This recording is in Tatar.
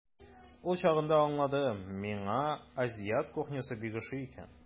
Ул чагында аңладым, миңа азиат кухнясы бик ошый икән.